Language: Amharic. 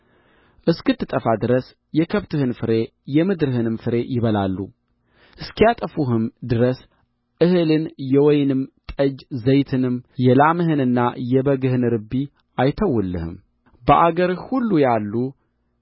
እስክትጠፋ ድረስ የከብትህን ፍሬ የምድርህንም ፍሬ ይበላሉ እስኪያጠፉህም ድረስ እህልን የወይንም ጠጅ ዘይትንም የላምህንና የበግህን ርቢ አይተዉልህም በአገርህ ሁሉ ያሉ